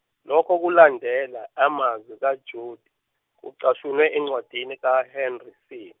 lokhu kulandela amazwi kaJudd, kucashunwe encwadini kaHenry C.